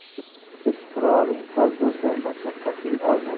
ish quroling soz bo'lsa mashaqqating oz bo'lar